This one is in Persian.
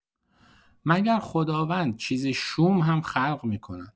مگر خداوند چیز شوم هم خلق می‌کند؟!